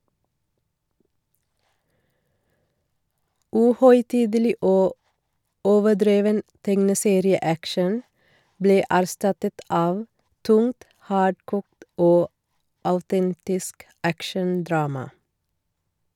Uhøytidelig og overdreven tegneserieaction ble erstattet av tungt, hardkokt og autentisk action-drama.